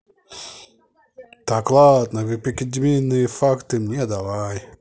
так ладно википедийные факты мне давай